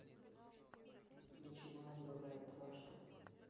ничего не бывает дважды